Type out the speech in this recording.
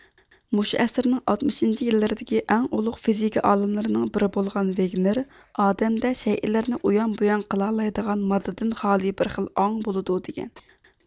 مۇشۇ ئەسىرنىڭ ئاتمىشىنچى يىللىرىدىكى ئەڭ ئۇلۇغ فىزىكا ئالىملىرىنىڭ بىرى بولغان ۋىگنېر ئادەمدە شەيئىلەرنى ئۇيان بۇيان قىلالايدىغان ماددىدىن خالى بىر خىل ئاڭ بولىدۇ دىگەن